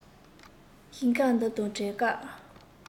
ཞིང ཁ འདི དང བྲལ སྐབས